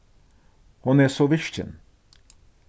hon er so virkin